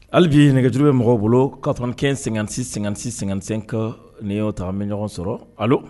Hali bii nɛgɛjuru ye mɔgɔ bolo katkɛ sɛgɛnsɛ sɛgɛnsɛ ka ninotaa bɛ ɲɔgɔn sɔrɔ hali